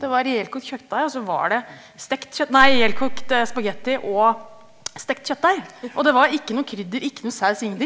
det var ihjelkokt kjøttdeig og så var det stekt nei ihjelkokt spagetti og stekt kjøttdeig, og det var ikke noe krydder, ikke noen saus, ingenting.